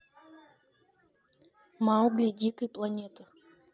маугли дикой планеты